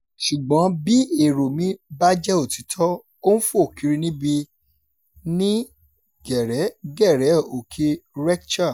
Ṣùgbọ́n bí èrò mi bá jẹ́ òtítọ́, ó ń fò kiri níbi ní gẹ̀rẹ́gẹ̀rẹ́ òkè Rekcha.